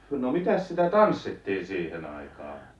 no mitäs sitä tanssittiin siihen aikaan